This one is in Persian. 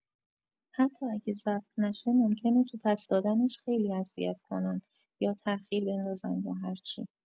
حتی اگه ضبط نشه ممکنه تو پس دادنش خیلی اذیت کنن یا تاخیر بندازن یا هرچی!